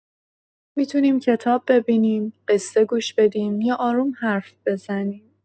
می‌تونیم کتاب ببینیم، قصه گوش بدیم یا آروم حرف بزنیم.